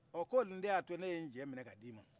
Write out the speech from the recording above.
ɔ o nin de y'a to ne ye n cɛ mina k'a d'ima